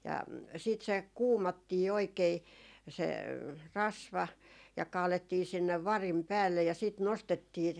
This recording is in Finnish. ja sitten se kuumattiin oikein se rasva ja kaadettiin sinne varin päälle ja sitten nostettiin